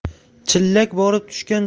chillak borib tushgan